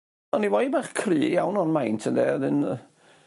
O'n i boi bach cry iawn o'n maint ynde o'dd 'yn yy